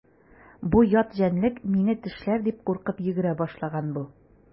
Бу ят җәнлек мине тешләр дип куркып йөгерә башлаган бу.